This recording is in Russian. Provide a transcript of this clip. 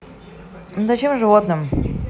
зачем животным